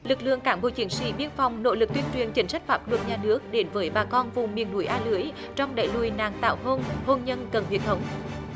lực lượng cán bộ chiến sĩ biên phòng nỗ lực tuyên truyền triển chất pháp được nhà nước đến với bà con vùng miền núi a lưới trong đẩy lùi nạn tảo hôn hôn nhân cận huyết thống